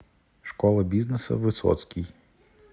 школа бизнеса высоцкий